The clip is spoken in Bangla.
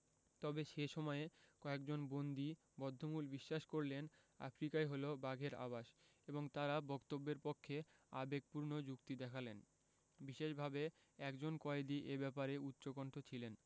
তবে সে সময়ে কয়েকজন বন্দী বদ্ধমূল বিশ্বাস করলেন আফ্রিকাই হলো বাঘের আবাস এবং তারা বক্তব্যের পক্ষে আবেগপূর্ণ যুক্তি দেখালেন বিশেষভাবে একজন কয়েদি এ ব্যাপারে উচ্চকণ্ঠ ছিলেন